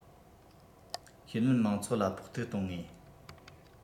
ཁས ལེན དམངས ཚོགས ལ ཕོག ཐུག གཏོང ངེས